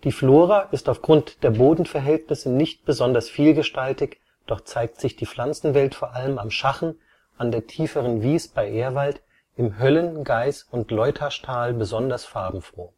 Flora ist aufgrund der Bodenverhältnisse nicht besonders vielgestaltig, doch zeigt sich die Pflanzenwelt vor allem am Schachen, an der Tieferen Wies bei Ehrwald, im Höllen -, Gais - und Leutaschtal besonders farbenfroh